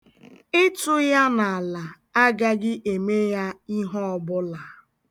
Ịtụ ya n'ala agaghị eme ya ihe ọbụla.